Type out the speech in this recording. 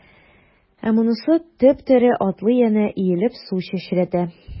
Ә монысы— теп-тере, атлый әнә, иелеп су чәчрәтә.